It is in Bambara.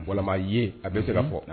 Bɔra ye a bɛ siran fɔ